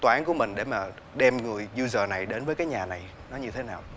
toán của mình để mà đem người dư giờ này đến với cái nhà này nó như thế nào